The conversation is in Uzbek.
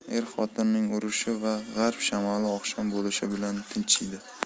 er xotinning urushi va g'arb shamoli oqshom bo'lishi bilan tinchiydi